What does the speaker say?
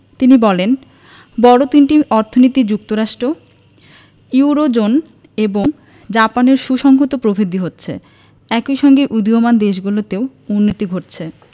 তিনি বলেন বড় তিনটি অর্থনীতি যুক্তরাষ্ট্র ইউরোজোন এবং জাপানের সুসংহত প্রবৃদ্ধি হচ্ছে একই সঙ্গে উদীয়মান দেশগুলোতেও উন্নতি ঘটছে